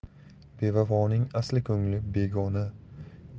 bevafoning asli ko'ngli begona